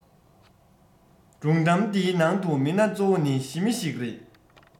སྒྲུང གཏམ འདིའི ནང དུ མི སྣ གཙོ བོ ནི ཞི མི ཞིག རེད